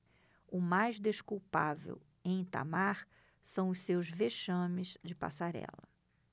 o mais desculpável em itamar são os seus vexames de passarela